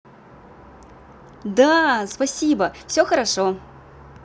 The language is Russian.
да спасибо все хорошо